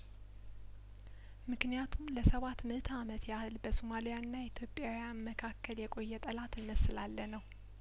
ምክንያቱም ለሰባት ምእተ አመት ያህል በሶማሊያና ኢትዮጵያውያን መካከል የቆየ ጠላትነት ስላለነው